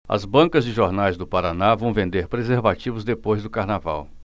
as bancas de jornais do paraná vão vender preservativos depois do carnaval